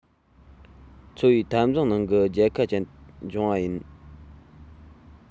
འཚོ བའི འཐབ འཛིང ནང གི རྒྱལ ཁ ཅན བྱུང བ ཡིན